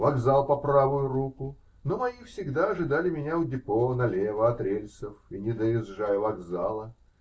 Вокзал -- по правую руку, но мои всегда ожидали меня у депо, налево от рельсов и не доезжая вокзала.